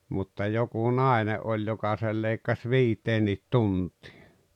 mutta joku nainen oli joka sen leikkasi viiteenkin tuntiin